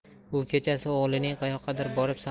u kechasi o'g'lining qayoqqadir borib